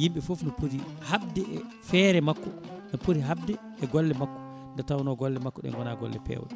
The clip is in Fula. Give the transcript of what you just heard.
yimɓe foof ne pooti habde e feere makko eɓe pooti hande e golle makko nde tawno golle makko ɗe goona golle pewɗe